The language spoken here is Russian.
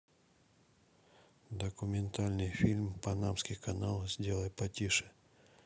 документальный фильм панамский канал сделай потише